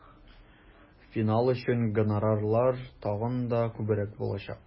Финал өчен гонорарлар тагын да күбрәк булачак.